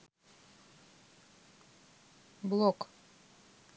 блок